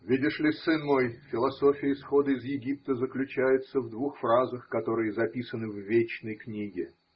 Видишь ли, сын мой, философия исхода из Египта заключается в двух фразах, которые записаны в Вечной книге.